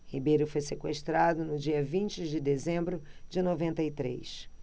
ribeiro foi sequestrado no dia vinte de dezembro de noventa e três